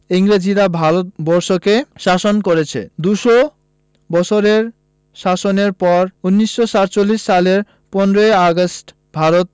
ইংরেজরা ভারত বর্ষকে শাসন করেছে দু'শ বছরের শাসনের পর ১৯৪৭ সালের ১৫ ই আগস্ট ভারত